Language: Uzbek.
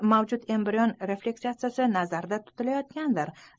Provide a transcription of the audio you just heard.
mavjud embrion refleksiyasi nazarda tutilayotgandir